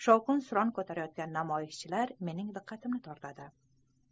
shovqin suron ko'tarayotgan namoyishchilar mening diqqatimni tortadi